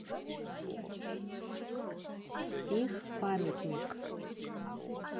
стих памятник